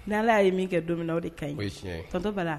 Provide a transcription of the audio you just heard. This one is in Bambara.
Ni' ala ye min kɛ don min o de ka ɲi tɔnto'a